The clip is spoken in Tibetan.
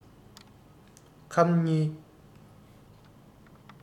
ཁམ གཉིས